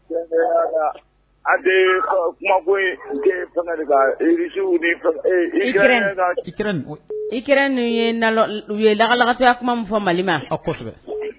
Fɛnfɛn y'a ka A tɛ k kuma ko ye ke fɛnkɛ de kan wa? russe ni fɛn ɛɛ. Ukraine . Ukrainien ka Ukraine Ukraine ye nalo o ye lagalagatɔya kuma min fɔ Mali ma. Kosɛbɛ.